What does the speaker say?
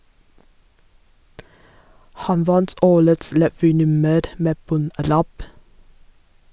Han vant årets revynummer med "bon-ræp".